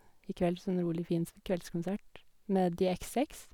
I kveld, sånn rolig, fin s kveldskonsert med The xx.